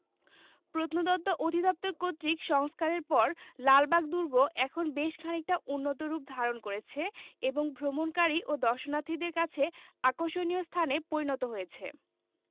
প্রত্নতত্ত্ব অধিদপ্তর কর্তৃক সংস্কারের পর লালবাগ দুর্গ এখন বেশ খানিকটা উন্নত রূপ ধারণ করেছে এবং ভ্রমণকারী ও দর্শনার্থীদের কাছে আকর্ষণীয় স্থানে পরিণত হয়েছে